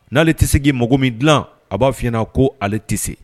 N'ale tɛ se mɔgɔ min dilan a b'a fɔ fiɲɛna ko ale tɛ se